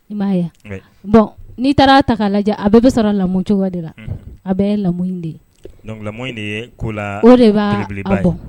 Bɔn n'i taara ta' lajɛ a bɛɛ bɛ sɔrɔ lamɔ cogo de la a bɛ lamɔ ye ye ko de b'a bɔ